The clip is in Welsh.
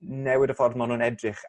newid y ffordd ma' nw'n edrych